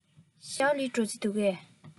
ཞའོ ལིའི འགྲོ རྩིས འདུག གས